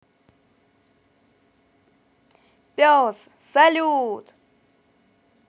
пес салют